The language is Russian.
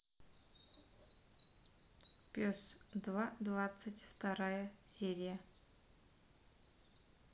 пес два двадцать вторая серия